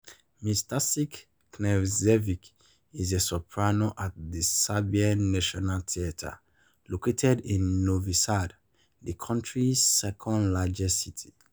Ms. Tasić Knežević is a soprano at the Serbian National Theatre, located in Novi Sad, the country's second largest city.